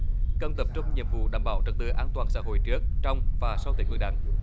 cần tập trung nhiệm vụ đảm bảo trật tự an toàn xã hội trước trong và sau tết nguyên đán